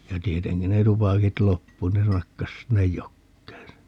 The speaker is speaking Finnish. ja tietenkin ne tupakit loppui ne nakkasi sinne jokeen sen